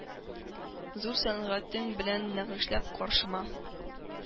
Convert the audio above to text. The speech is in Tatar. Зур сәнгатең белән нәкышләп, каршыма!